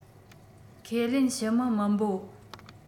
ཁས ལེན ཕྱི མི མི འབོད